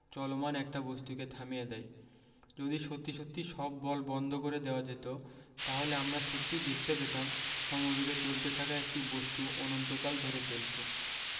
চলমান একটা বস্তুকে থামিয়ে দেয় যদি সত্যি সত্যি সব বল বন্ধ করে দেওয়া যেত তাহলে আমরা সত্যিই দেখতে পেতাম সমবেগে চলতে থাকা একটা বস্তু অনন্তকাল ধরে চলছে